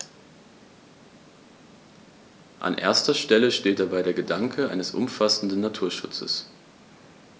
An erster Stelle steht dabei der Gedanke eines umfassenden Naturschutzes.